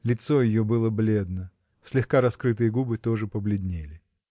Лицо ее было бледно; слегка раскрытые губы тоже побледнели.